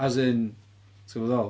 As in, tibod be dwi'n feddwl?